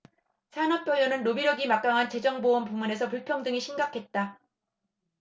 산업별로는 로비력이 막강한 재정 보험 부문에서 불평등이 심각했다